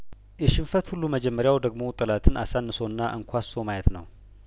የሽንፈት ሁሉ መጀመሪያው ደግሞ ጠላትን አሳንሶና አንኳሶ ማየት ነው